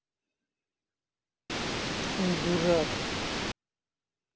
у дурак